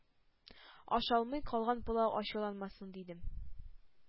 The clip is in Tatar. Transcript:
Ашалмый калган пылау ачуланмасын, дидем.